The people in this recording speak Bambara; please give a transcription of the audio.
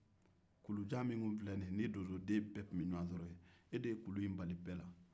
donsoden bɛɛ tun bɛ ɲɔgɔn sɔrɔ kulu jan min e de y'o bali bɛɛ la